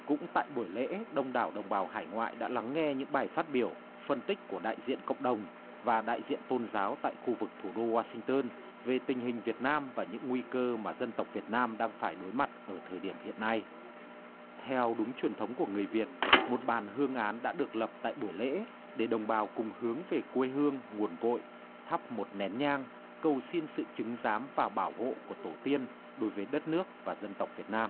cũng tại buổi lễ đông đảo đồng bào hải ngoại đã lắng nghe những bài phát biểu phân tích của đại diện cộng đồng và đại diện tôn giáo tại khu vực thủ đô oa sinh tơn về tình hình việt nam và những nguy cơ mà dân tộc việt nam đang phải đối mặt ở thời điểm hiện nay theo đúng truyền thống của người việt một bàn hương án đã được lập tại buổi lễ để đồng bào cùng hướng về quê hương nguồn cội thắp một nén nhang cầu xin sự chứng giám và bảo hộ của tổ tiên đối với đất nước và dân tộc việt nam